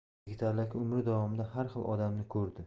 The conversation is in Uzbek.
yigitali aka umri davomida har xil odamni ko'rdi